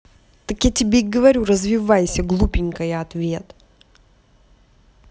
так я тебе и говорю развивайся глупенькая ответ